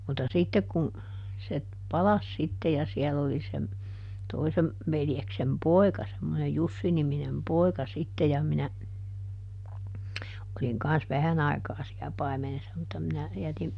mutta sitten kun se palasi sitten ja siellä oli sen toisen veljeksen poika semmoinen Jussi-niminen poika sitten ja minä olin kanssa vähän aikaa siellä paimenessa mutta minä jätin